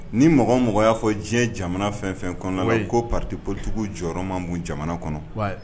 Ni mɔgɔ mɔgɔ y'a fɔ diɲɛ jamana fɛn fɛn kɔnɔ ye ko patiptigiw jɔyɔrɔ ma bon jamana kɔnɔ